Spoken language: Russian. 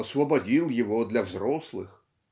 освободил его для взрослых.